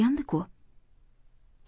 turgandi ku